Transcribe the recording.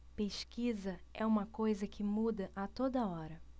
pesquisa é uma coisa que muda a toda hora